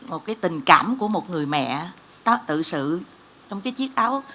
một cái tình cảm của một người mẹ đó tự sự trong cái chiếc áo